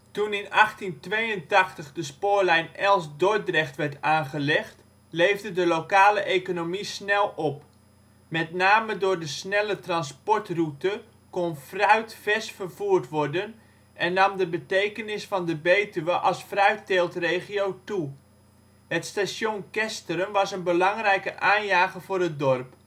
Toen in 1882 de spoorlijn Elst-Dordrecht werd aangelegd leefde de lokale economie snel op. Met name door de snelle transportroute kon fruit vers vervoerd worden en nam de betekenis van de betuwe als fruitteeltregio toe. Het station Kesteren was een belangrijke aanjager voor het dorp